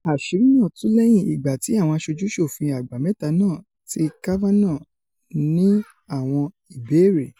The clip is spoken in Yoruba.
Àṣìrí náà tú lẹ́yìn ìgbà tí àwọn aṣojú-ṣòfin àgbà mẹ́ta náà ti Kavanaugh ní àwọn ìbéèrè.